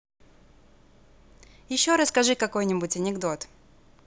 еще расскажи какой нибудь анекдот